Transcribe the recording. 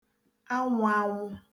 anwụ̄ānwụ̄